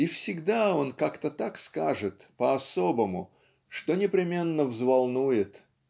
и всегда он как-то так скажет, по-особому, что непременно взволнует